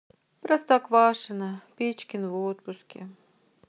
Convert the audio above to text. простоквашино печкин в отпуске